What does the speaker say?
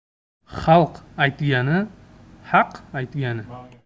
xalq aytgani haq aytgani